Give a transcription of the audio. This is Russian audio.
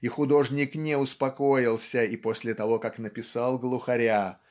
и художник не успокоился и после того как написал глухаря